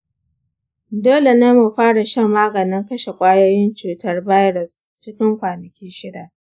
dole ne mu fara shan maganin kashe kwayoyin cutar virus cikin kwanaki shida.